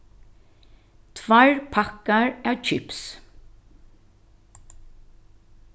tveir pakkar av kips